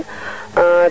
i fasaɓo moom